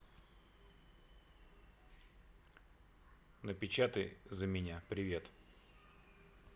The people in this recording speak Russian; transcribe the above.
напечатай за меня привет